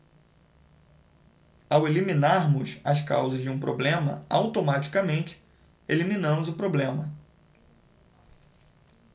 ao eliminarmos as causas de um problema automaticamente eliminamos o problema